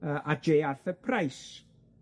yy a Jay Arthur Price.